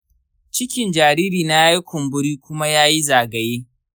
cikin jaririna ya yi kumburi kuma ya yi zagaye.